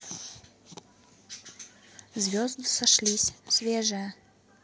звезды сошлись свежее